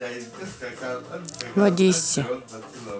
в одессе